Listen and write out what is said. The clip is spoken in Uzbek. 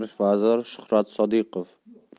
rivojlantirish vaziri shuhrat sodiqov